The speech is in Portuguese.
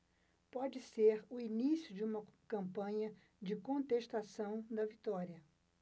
pode ser o início de uma campanha de contestação da vitória